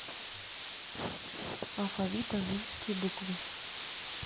алфавит английские буквы